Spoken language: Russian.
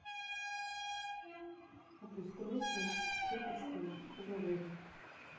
обустройство аптекарского огорода